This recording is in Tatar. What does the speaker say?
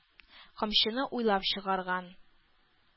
Камчыны уйлап чыгарган.